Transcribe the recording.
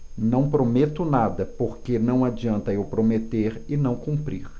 não prometo nada porque não adianta eu prometer e não cumprir